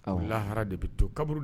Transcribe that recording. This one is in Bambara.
A lahara de bɛ to kab